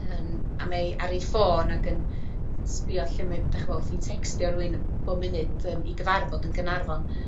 Yn, a mae 'i ar 'i ffôn ag yn sbio lle mae dych chi wel' wrthi'n tecstio rywun bob munud yym i gyfarfod yn Gynarfon.